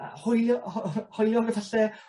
yy hwylio- oho oho hwyliog efalle